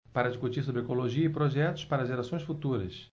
para discutir sobre ecologia e projetos para gerações futuras